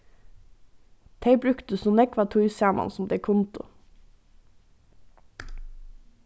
tey brúktu so nógva tíð saman sum tey kundu